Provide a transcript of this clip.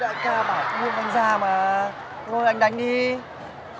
đại ca bảo buông anh ra mà thôi anh